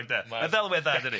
Ma'r ddelwedd dda yndydi?